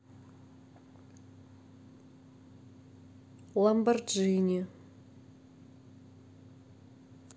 lamborghini